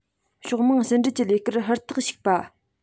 ཕྱོགས མང ཕྱི འབྲེལ གྱི ལས ཀར ཧུར ཐག ཞུགས པ